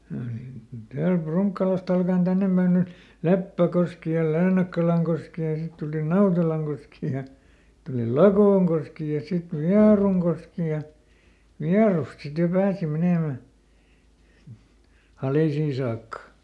kyllä niitä täältä Prunkkalasta alkaen tänne päin niin oli Leppäkoski ja Leenakkalankoski ja sitten tuli Nautelankoski ja sitten tuli Lakoonkoski ja sitten Vierunkoski ja Vierusta sitten jo pääsi menemään Halisiin saakka